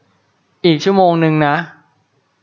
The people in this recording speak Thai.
อีกชั่วโมงนึงนะ